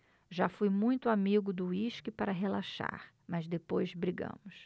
já fui muito amigo do uísque para relaxar mas depois brigamos